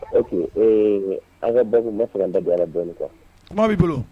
E que ee an ka basi ne dayara dɔɔnin kan kuma bɛ bolo